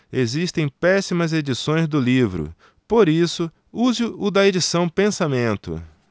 existem péssimas edições do livro por isso use o da edição pensamento